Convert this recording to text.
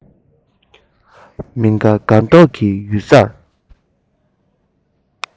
མི དགའ དགའ མདོག གིས གཡུལ སར